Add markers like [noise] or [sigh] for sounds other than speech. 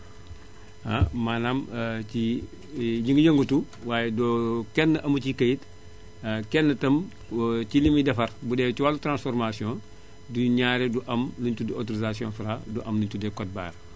[hesitation] maanaam [hesitation] ci ñu ngi yëngatu waaye doo kenn amu ci kayit kenn itam [hesitation] ci li muy defar bu dee ci wàllu transformation du ñaare du am luñ tudd autorisation Fra du am li ñuy tuddee code barre